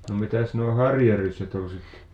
no mitäs nuo harjaryssät oli sitten